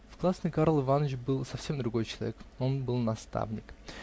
В классной Карл Иваныч был совсем другой человек: он был наставник.